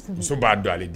Muso b'a don ale di